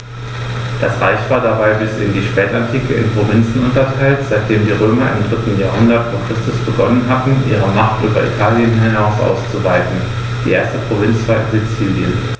Das Reich war dabei bis in die Spätantike in Provinzen unterteilt, seitdem die Römer im 3. Jahrhundert vor Christus begonnen hatten, ihre Macht über Italien hinaus auszuweiten (die erste Provinz war Sizilien).